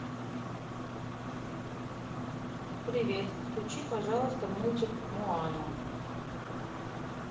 привет включи пожалуйста мультик моана